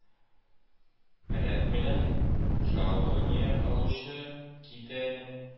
Ряд белән жалованье алучы китә,